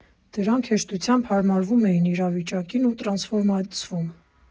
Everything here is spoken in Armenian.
Դրանք հեշտությամբ հարմարվում էին իրավիճակին ու տրանսֆորմացվում։